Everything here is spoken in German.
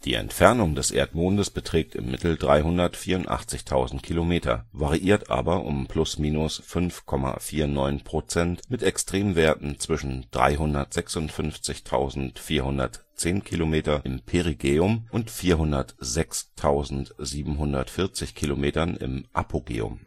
Entfernung des Erdmondes beträgt im Mittel 384.000 km, variiert aber um ± 5,49 % mit Extremwerten zwischen 356.410 km (Perigäum) und 406.740 km (Apogäum